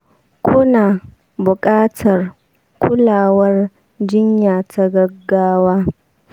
ku na buƙatar kulawar jinya ta gaggawa